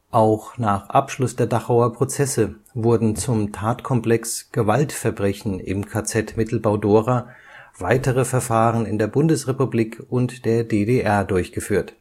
Auch nach Abschluss der Dachauer Prozesse wurden zum Tatkomplex Gewaltverbrechen im KZ Mittelbau-Dora weitere Verfahren in der Bundesrepublik und der DDR durchgeführt